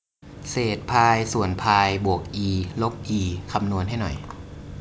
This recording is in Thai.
เศษพายส่วนพายบวกอีลบอีคำนวณให้หน่อย